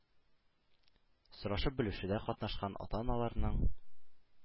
Сорашып-белешүдә катнашкан ата-аналарның